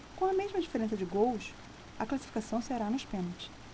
com a mesma diferença de gols a classificação sairá nos pênaltis